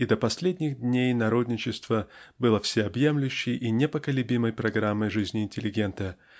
до последних дней народничество было всеобъемлющей и непоколебимой программой жизни интеллигента